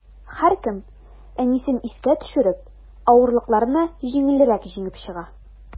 Һәркем, әнисен искә төшереп, авырлыкларны җиңелрәк җиңеп чыга.